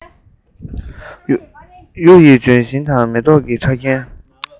གཡུ ཡི ལྗོན ཤིང དང མེ ཏོག གི ཕྲ རྒྱན